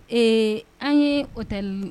Ee an ye o tɛ